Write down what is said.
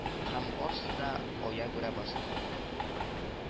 Һәм барсы да аягурә басты